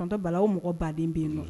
Tonton Bala o mɔgɔ baden bɛ yennɔ. Hun?